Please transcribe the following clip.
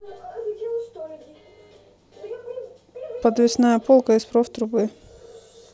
подвесная полка из проф трубы